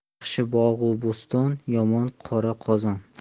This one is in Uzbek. yaxshi bog' u bo'ston yomon qora qozon